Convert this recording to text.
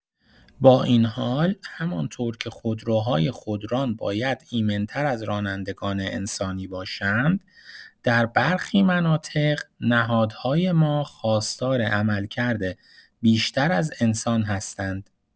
با این‌حال، همان‌طور که خودروهای خودران باید ایمن‌تر از رانندگان انسانی باشند، در برخی مناطق، نهادهای ما خواستار عملکرد بیشتر از انسان هستند.